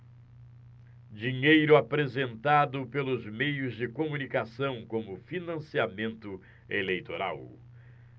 dinheiro apresentado pelos meios de comunicação como financiamento eleitoral